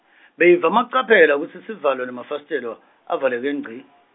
Beyivama kucaphela kutsi sivalo nemafasitelo, avaleke ngci.